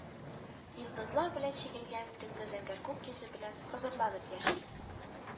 Йолдызлар белән чигелгән төнге зәңгәр күк йөзе белән хозурланып яши